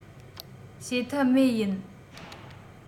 བྱེད ཐབས མེད ཡིན